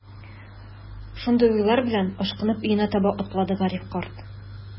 Шундый уйлар белән, ашкынып өенә таба атлады Гариф карт.